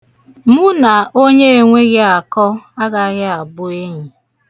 Mụ na onye enweghị akọ agaghị abụ enyi.